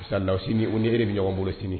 Lasi ni u ni hɛrɛ niɔgɔ bolotini